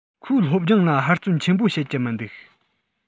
ཁོས སློབ སྦྱོང ལ ཧུར བརྩོན ཆེན པོ བྱེད ཀྱི མི འདུག